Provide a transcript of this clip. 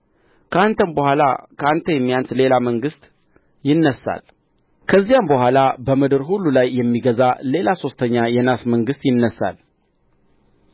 ከአንተም በኋላ ከአንተ የሚያንስ ሌላ መንግሥት ይነሣል ከዚያም በኋላ በምድር ሁሉ ላይ የሚገዛ ሌላ ሦስተኛ የናስ መንግሥት ይነሣል